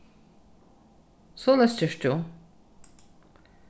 soleiðis gert tú